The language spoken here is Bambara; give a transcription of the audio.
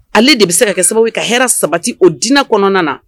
Ale de bɛ se ka kɛ sababu ka hɛrɛɛ sabati o diinɛ kɔnɔna na